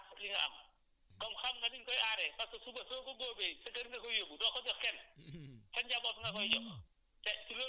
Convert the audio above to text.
jarul nga liggéey bul xaar si keneen pour nga aar li nga am comme xam nga niñ koy aaree parce que suba soo ko góobee sa kër nga koy yóbbu doo ko jox kenn